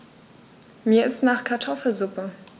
Mir ist nach Kartoffelsuppe.